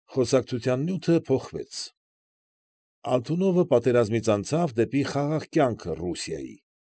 Խոսակցության նյութը փոխվեց, Ալթունովը պատերազմից անցավ դեպի խաղաղ կյանքը Ռուսիայի։